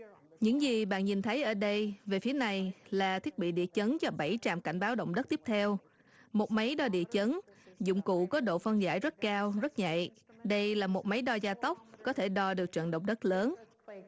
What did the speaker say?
những gì bạn nhìn thấy ở đây về phía này là thiết bị địa chấn cho bẩy trạm cảnh báo động đất tiếp theo một máy đo địa chấn dụng cụ có độ phân giải rất cao rất nhạy đây là một máy đo gia tốc có thể đo được trận động đất lớn